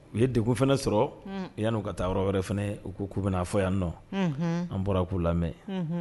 U ye dekun fɛnɛ sɔrɔ yani u ka taa yɔrɔ wɛrɛ fɛnɛ . U ko ku bɛna a fɔ yan nɔ Unhun . An bɔra ku lamɛnUnhun